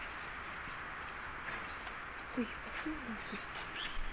ой пошел нахуй